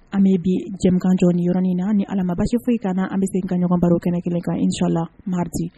An me bii jɛmukan jɔ nin yɔrɔni in na ni Ala ma baasi foyi k'an na an be segin ka ɲɔgɔn baro ni kɛnɛ 1 in kan inchallah mardi